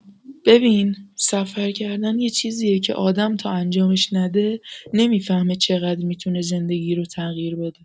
ببین، سفر کردن یه چیزیه که آدم تا انجامش نده، نمی‌فهمه چقدر می‌تونه زندگی رو تغییر بده.